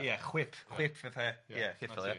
Ia chwip chwip fatha ia ceffyl, ia.